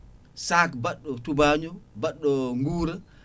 sac baɗɗo tubaño baɗɗo guura